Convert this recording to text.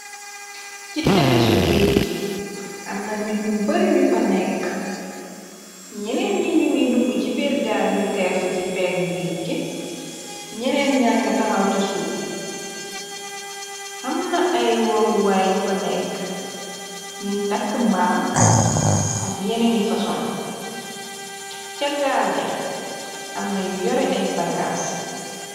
Ci tefesu géej gi amna nit ñu bari ñu fa nekke ñeneen ñi ñu ngi dugg ci biir gaal yu ters ci pegg géej g ñeneen ña nga taxaw ca suuf xamna ay waruwaay yu fa nekk yuñ tàkk mbaam ak yeneen ni fason cha gaal ya amna yu yore ay bagaas.